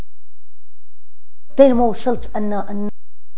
فيلم وصلت انا